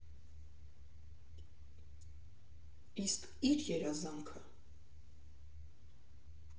Իսկ ի՞ր երազանքը։